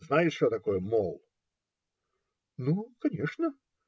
Знаешь, что такое мол? - Ну, конечно.